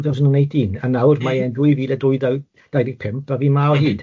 A nawr mae e'n dwy fil a dwy dau- dau deg pump a fi'n ma o hyd.